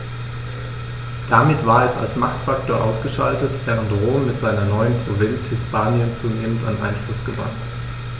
Damit war es als Machtfaktor ausgeschaltet, während Rom mit seiner neuen Provinz Hispanien zunehmend an Einfluss gewann.